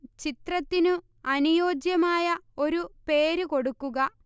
ചിത്രത്തിനു അനുയോജ്യമായ ഒരു പേരു കൊടുക്കുക